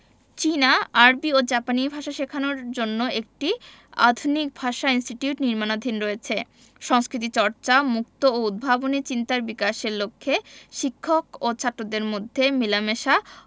চীনা আরবি ও জাপানি ভাষা শেখানোর জন্য একটি আধুনিক ভাষা ইনস্টিটিউট নির্মাণাধীন রয়েছে সংস্কৃতিচর্চা মুক্ত ও উদ্ভাবনী চিন্তার বিকাশের লক্ষ্যে শিক্ষক ও ছাত্রদের মধ্যে মেলামেশা